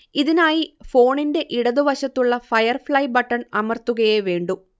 ഇതിനായി ഫോണിന്റെ ഇടതുവശത്തുള്ള ഫയർഫ്ളൈ ബട്ടൺ അമർത്തുകയേ വേണ്ടൂ